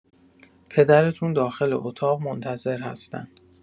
پدرتون داخل اتاق منتظر هستن.